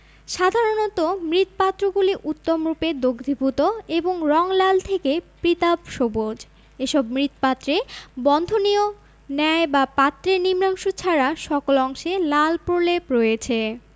সাধারণত মৃৎপাত্রগুলি উত্তমরূপে দগ্ধীভূত এবং রং লাল থেকে পীতাভ সবুজ এসব মৃৎপাত্রে বন্ধনীয় ন্যায় বা পাত্রের নিম্নাংশ ছাড়া সকল অংশে লাল প্রলেপ রয়েছে